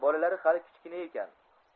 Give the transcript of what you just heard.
bolalari hali kichkina ekan